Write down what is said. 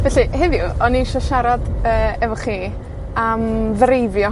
Felly, heddiw, o'n i isio siarad, yy, efo chi, am ddreifio.